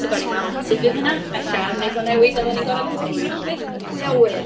So gawn ni weld sut fydd hynna. Ella wneith o newid a fydden ni'n agored amser cinio am byth. Pwy â wyr?